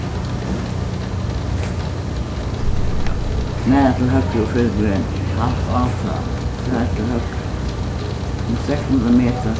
snara til høgru og fylg vegnum halt áfram far til høgru um seks hundrað metrar